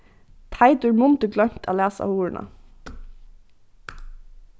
teitur mundi gloymt at læsa hurðina